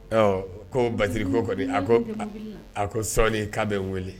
Ko basiri ko kɔni a ko a ko sɔɔni'a bɛ n wele